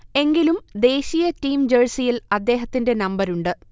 എങ്കിലും, ദേശീയ ടീം ജഴ്സിയിൽ അദ്ദേഹത്തിന്റെ നമ്പരുണ്ട്